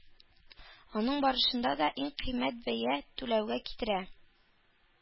Аның барышында да иң кыйммәт бәя түләүгә китерә.